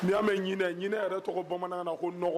N y'a mɛn ɲinin ɲinin yɛrɛ tɔgɔ bamanan na ko